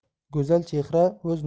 go'zal chehra o'z